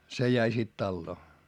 se jäi sitten taloon